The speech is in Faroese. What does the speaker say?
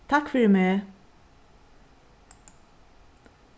takk fyri meg